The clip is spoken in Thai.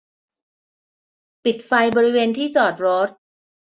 ปิดไฟบริเวณที่จอดรถ